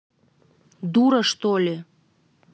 дура что ли